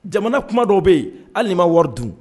Jamana kuma dɔw bɛ yen hali ni ma wari dun